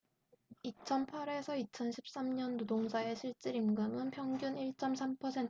이천 팔 에서 이천 십 삼 년 노동자의 실질임금은 평균 일 쩜 삼 퍼센트 늘어나는 데 그쳤다